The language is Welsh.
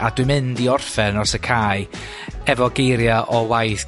A dwi'n mynd i orffen os y ca' i efo geiria' o waith